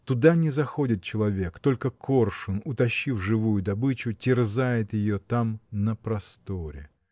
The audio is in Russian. Туда не заходит человек, только коршун, утащив живую добычу, терзает ее там на просторе.